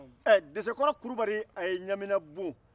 ɛ desekɔrɔ kulubali a ye ɲamina bon